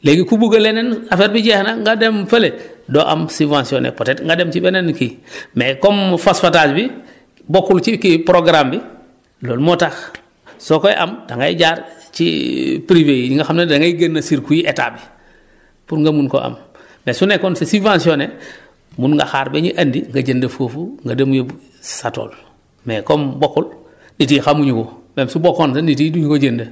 léegi ku bugg leneen affaire bi jeex na nga dem fële doo am subventionné peut être nga dem ci beneen kii mais comme phosphatage bi bokkul ci kii programme bi loolu moo tax soo koy am da ngay jaar ci privés yi nga xam ne da ngay génn circuit état bi pour nga mun koo am mais su nekkoon c' est subventionné mun nga xaar ba ñu andi nga jënd foofu nga dem yóbbu sa tool mais comme bokkul nit yi xamuñu ko même su bokkoon sax nit yi du ñu ko jënd